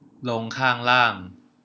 ลงข้างล่าง